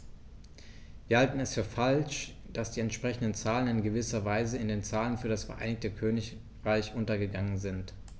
Wir halten es für falsch, dass die entsprechenden Zahlen in gewisser Weise in den Zahlen für das Vereinigte Königreich untergegangen sind.